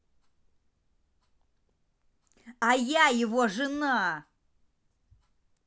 а я его жена